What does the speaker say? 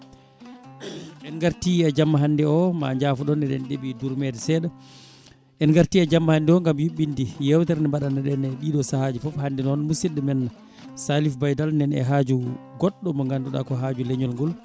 en garti e jamma hannde o ma jaafoɗon eɗen ɗeeɓi durmede seeɗa en garti e jamma hannde o gaam yuɓɓinde yewtere nde mbaɗanno ɗen e ɗiɗo sahaji foof hannde noon musidɗo men Salif baydal nani e haaju goɗɗo mo ganduɗa ko haaju leeñol ngol